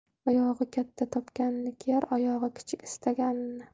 oyog'i katta topganini kiyar oyog'i kichik istaganini